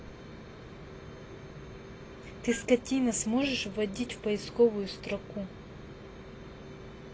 ты скотина сможешь вводить в поисковую строку